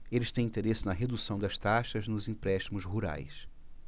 eles têm interesse na redução das taxas nos empréstimos rurais